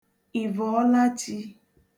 ị̀vọ̀ọlachī